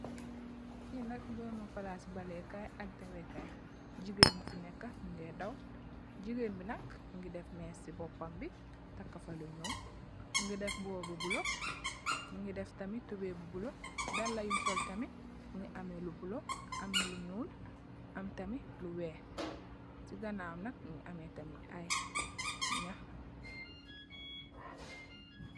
Fii nak mbirum plaasi baaleh kaii ak daweh kaii, gigain mofi neka mungeh daw, gigain bii nak mungy def meeche cii bopam bii, takah fa lu njull, mungy deff mbuba bu bleu, mungy deff tamit tubeiyy bu bleu, daalah yum sol tamit mungy ameh lu bleu, am lu njull, am tamit lu wekh, cii ganawam nak mungy ameh tamit aiiy njahh.